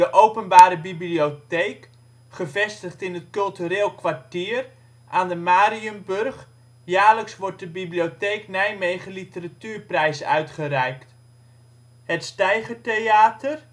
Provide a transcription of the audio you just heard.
Openbare bibliotheek, gevestigd in het ' cultureel kwartier ' aan de Mariënburg, jaarlijks wordt de Bibliotheek Nijmegen Literatuurprijs uitgereikt. Het Steigertheater